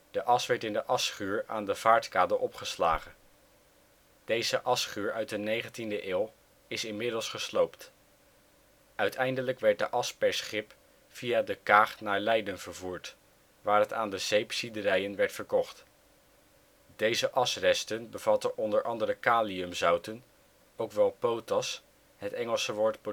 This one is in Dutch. De as werd in de asschuur aan de Vaartkade opgeslagen. Deze asschuur uit de 19de eeuw is inmiddels gesloopt. Uiteindelijk werd de as per schip via De Kaag naar Leiden vervoerd, waar het aan de zeepziederijen werd verkocht. Deze asresten bevatten o.a kaliumzouten (ook wel potas, het Engelse woord